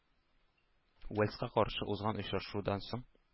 Уэльска каршы узган очрашудан соң